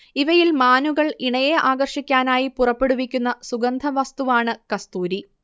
ഇവയിൽ മാനുകൾ ഇണയെ ആകർഷിക്കാനായി പുറപ്പെടുവിക്കുന്ന സുഗന്ധവസ്തുവാണ് കസ്തൂരി